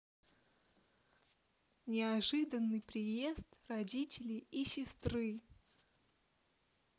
неожиданный приезд родителей и сестры